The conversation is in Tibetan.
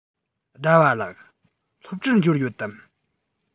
ཟླ བ ལགས སློབ གྲྭར འབྱོར ཡོད དམ